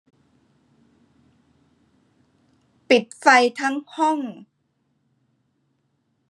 ปิดไฟทั้งห้อง